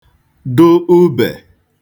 dụ ubè